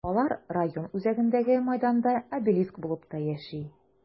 Алар район үзәгендәге мәйданда обелиск булып та яши.